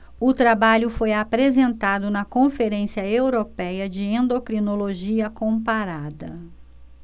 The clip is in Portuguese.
o trabalho foi apresentado na conferência européia de endocrinologia comparada